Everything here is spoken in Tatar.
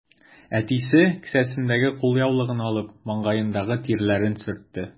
Әтисе, кесәсендәге кулъяулыгын алып, маңгаендагы тирләрен сөртте.